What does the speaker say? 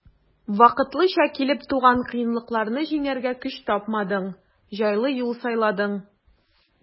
Вакытлыча килеп туган кыенлыкларны җиңәргә көч тапмадың, җайлы юл сайладың.